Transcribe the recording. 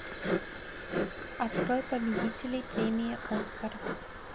открой победители премии оскар